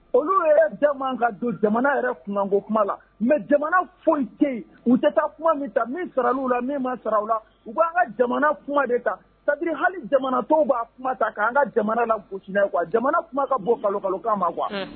Olu da man ka ka don jamana yɛrɛ kunkanko kuma la, mais jamana foyi tɛ yen, u tɛ taa kuma min ta min sara la u la, min ma sara u la, u b'an ka jamana kuma de ta, ça dire hali jamana tɔw b'a kuma ta ka an ka jamana lagosi n'a ye quoi , jamana kuma ka bɔ kalikalokan ma quoi